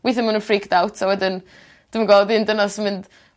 withe ma' nw'n freaked out a wedyn dwi'm yn gwo odd un dynes yn mynd